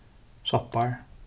soppar